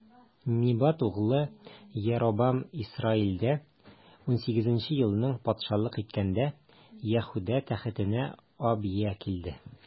Небат углы Яробам Исраилдә унсигезенче елын патшалык иткәндә, Яһүдә тәхетенә Абия килде.